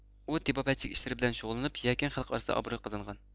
ئۇ تېبابەتچىلىك ئىشلىرى بىلەن شۇغۇللىنىپ يەكەن خەلقى ئارىسىدا ئابروي قازانغان